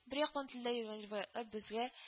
Бер яктан телдә йөрегән риваятләр безгә